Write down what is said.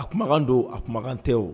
A kumakan do a kumakan tɛ o.